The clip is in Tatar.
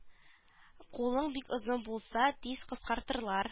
Кулың бик озын булса тиз кыскартырлар